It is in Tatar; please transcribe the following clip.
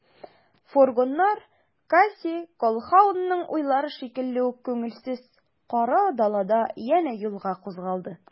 Фургоннар Кассий Колһаунның уйлары шикелле үк күңелсез, кара далада янә юлга кузгалды.